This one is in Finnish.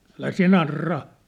älä sinä narraa